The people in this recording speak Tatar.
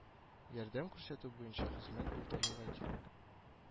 Ярдәм күрсәтү буенча хезмәт булдырырга кирәк